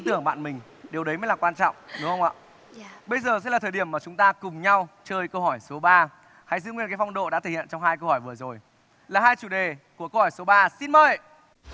tưởng bạn mình điều đấy mới là quan trọng đúng không ạ bây giờ sẽ là thời điểm mà chúng ta cùng nhau chơi câu hỏi số ba hãy giữ nguyên cái phong độ đã thể hiện trong hai câu hỏi vừa rồi là hai chủ đề của câu hỏi số ba xin mời